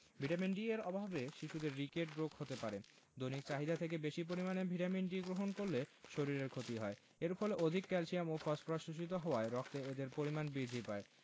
vitamin D এর অভাবে শিশুদের রিকেট রোগ হতে পারে দৈনিক চাহিদা থেকে বেশী পরিমাণে ভিটামিন ডি গ্রহণ করলে শরীরের ক্ষতি হয় এর ফলে অধিক ক্যালসিয়াম ও ফসফরাস শোষিত হওয়ায় রক্তে এদের পরিমাণ বৃদ্ধি পায়